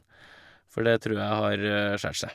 For det trur jeg har skjært seg.